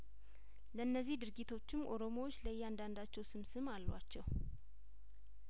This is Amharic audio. ለነዚህ ድርጊቶችም ኦሮሞዎች ለእያንዳንዳቸው ስምስም አሏቸው